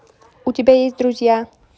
у тебя есть друзья